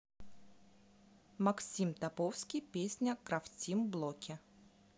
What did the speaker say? максим топовский песня крафтим блоке